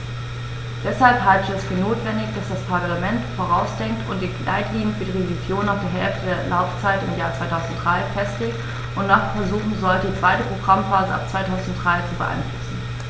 Deshalb halte ich es für notwendig, dass das Parlament vorausdenkt und die Leitlinien für die Revision nach der Hälfte der Laufzeit im Jahr 2003 festlegt und noch versuchen sollte, die zweite Programmphase ab 2003 zu beeinflussen.